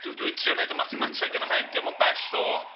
Dwi dwi'n trio wneud y mathemateg yn fy mhen, diom yn bell o...